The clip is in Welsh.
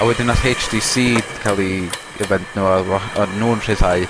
a wedyn nath heitch tee see ca'l 'i event nw ar wa-... A odd nw'n rhyddhau